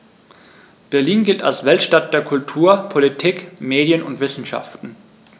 Berlin gilt als Weltstadt der Kultur, Politik, Medien und Wissenschaften.